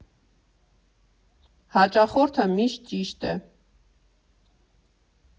Հաճախորդը միշտ ճիշտ է։